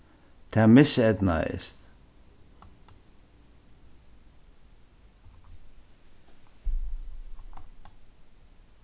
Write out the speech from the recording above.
tað miseydnaðist